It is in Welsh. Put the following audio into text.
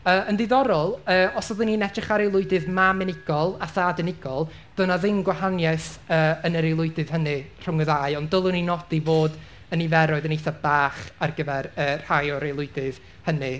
yy yn ddiddorol yy, os oedden ni'n edrych ar aelwydydd mam unigol a thad unigol, doedd 'na ddim gwahaniaeth yy yn yr aelwyddydd hynny rhwng y ddau, ond dylwn i nodi fod y nifer oedd yn eitha bach ar gyfer yy rhai o'r aelwyddydd hynny,